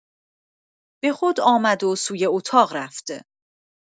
به خود آمد و سوی اطاق رفت.